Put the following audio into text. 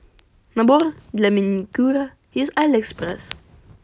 набор для маникюра из алиэкспресс